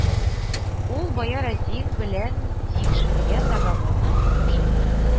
Ул бая Разин белән тикшергән договорны укып чыкты